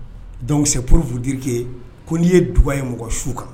Dan sɛorourfudike ko n'i ye dug ye mɔgɔ su kan